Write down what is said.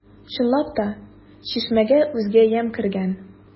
Чынлап та, чишмәгә үзгә ямь кергән.